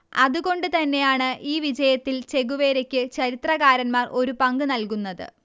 അതുകൊണ്ടുതന്നെയാണ് ഈ വിജയത്തിൽ ചെഗുവേരയ്ക്ക് ചരിത്രകാരന്മാർ ഒരു പങ്ക് നല്കുന്നത്